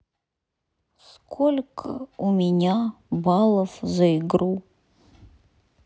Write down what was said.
сколько у меня баллов за игру